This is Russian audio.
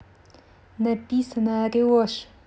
написано орешь